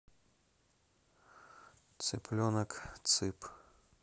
цыпленок цып